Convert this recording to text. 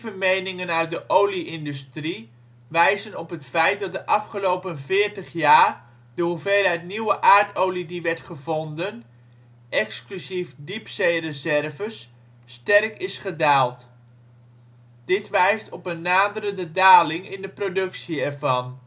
meningen uit de olie-industrie wijzen op het feit dat de afgelopen veertig jaar de hoeveelheid nieuwe aardolie die werd gevonden (exclusief diepzeereserves) sterk is gedaald [bron?]. Dit wijst op een naderende daling in de productie ervan